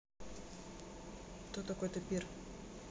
кто такой тапир